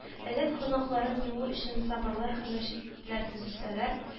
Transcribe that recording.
Элек гөнаһларын юу өчен соборлар һәм мәчетләр төзетсәләр